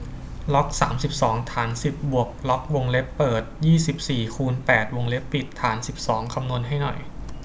ล็อกสามสิบสองฐานสิบบวกล็อกวงเล็บเปิดยี่สิบสี่คูณแปดวงเล็บปิดฐานสิบสองคำนวณให้หน่อย